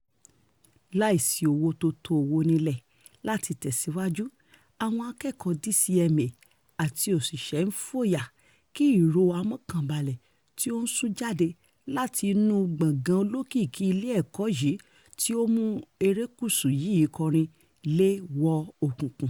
Láìsí owó tí ó tówó nílẹ̀ láti tẹ̀síwájú, àwọn akẹ́kọ̀ọ́ DCMA àti òṣìṣẹ́ ń fòyà kí ìró amọ́kànbalẹ̀ tí ó ń sun jáde láti inúu gbọ̀ngán olókìkí ilé ẹ̀kọ́ yìí tí ó mú erékùṣù yìí kọrin — leè wọ òkùnkùn.